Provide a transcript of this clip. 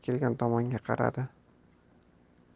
kelgan tomonga qaradi